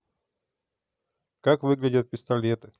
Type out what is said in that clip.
как выглядят пистолеты